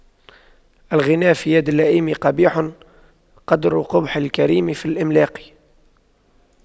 الغنى في يد اللئيم قبيح قدر قبح الكريم في الإملاق